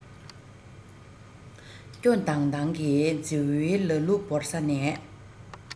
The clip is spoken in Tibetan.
སྐྱོ ལྡང ལྡང གི རྫི བོའི ལ གླུ བོར ས ནས